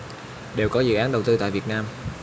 đều có dự án đầu tư tại việt nam